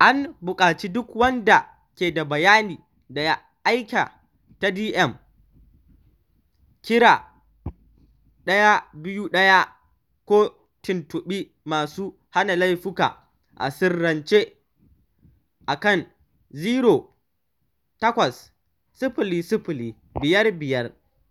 An buƙaci duk wanda ke da bayani da ya aika ta DM @MerPolCC, kira 101 ko tuntuɓi masu hana laifuka a sirrince a kan 0800 555